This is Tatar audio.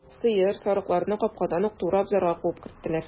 Сыер, сарыкларны капкадан ук туры абзарга куып керттеләр.